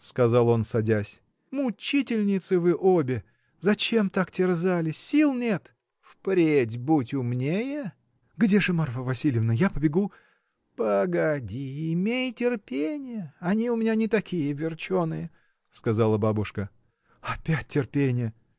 — сказал он, садясь, — мучительницы вы обе: зачем так терзали — сил нет! — Вперед будь умнее! — Где же Марфа Васильевна?. я побегу. — Погоди, имей терпение!. они у меня не такие верченые! — сказала бабушка. — Опять терпение!